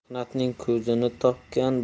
mehnatning ko'zini topgan